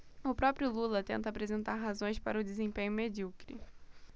o próprio lula tenta apresentar razões para o desempenho medíocre